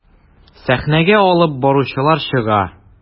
Сәхнәгә алып баручылар чыга.